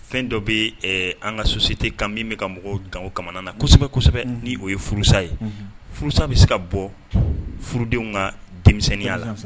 Fɛn dɔ bɛ an ka sosi ten ka min bɛka ka mɔgɔw janmana nasɛbɛsɛbɛ ni o ye furusa ye furusa bɛ se ka bɔ furudenw ka denmisɛnninya la